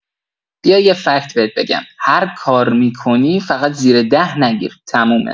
بیا یه فکت بهت بگم، هرکار می‌کنی فقط زیر ۱۰ نگیر تمومه!